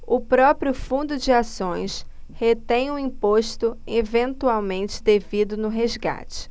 o próprio fundo de ações retém o imposto eventualmente devido no resgate